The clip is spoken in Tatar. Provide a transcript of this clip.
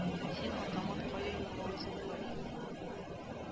Син, атаман, кая юргалыйсың болай